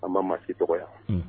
An ma ma si tɔgɔ yan